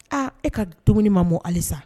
Aa e ka dumuni ma mɔ halisa